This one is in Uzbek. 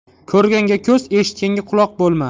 ko'rganga ko'z eshitganga quloq bo'lma